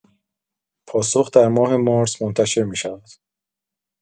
پاسخ در ماه مارس منتشر می‌شود.